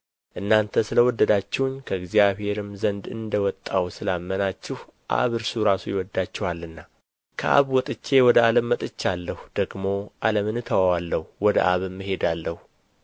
እናንተ ስለ ወደዳችሁኝ ከእግዚአብሔርም ዘንድ እኔ እንደ ወጣሁ ስላመናችሁ አብ እርሱ ራሱ ይወዳችኋልና ከአብ ወጥቼ ወደ ዓለም መጥቻለሁ ደግሞ ዓለምን እተወዋለሁ ወደ አብም እሄዳለሁ